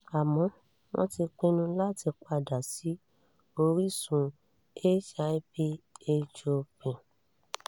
Àmọ́ wọ́n tí pinnu láti padà sí orísun hip hop.